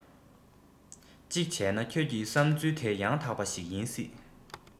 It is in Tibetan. གཅིག བྱས ན ཁྱོད ཀྱི བསམས ཚུལ དེ ཡང དག པ ཞིག ཡིན སྲིད